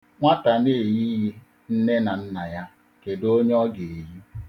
Nwata na-eyighị nne na nna ya, kedụ onye ọ ga-eyi?